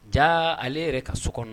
Jaa ale yɛrɛ ka so kɔnɔ